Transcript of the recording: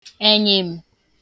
ẹ̀nyị̀m̀